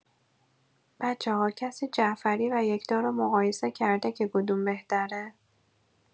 بچه‌ها کسی جعفری و یکتا رو مقایسه کرده که کدوم بهتره؟